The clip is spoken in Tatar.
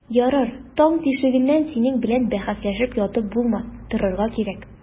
Ярар, таң тишегеннән синең белән бәхәсләшеп ятып булмас, торырга кирәк.